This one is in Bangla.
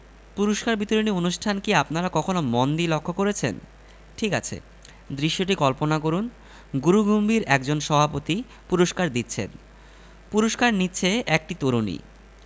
পুরস্কার বিতরণী অনুষ্ঠান কি আপনারা কখনো মন দিয়ে লক্ষ্য করেছেন ঠিক আছে দৃশ্যটি কল্পনা করুন গুরুগম্ভীর একজন সভাপতি পুরস্কার দিচ্ছেন পুরস্কার নিচ্ছে একটি তরুণী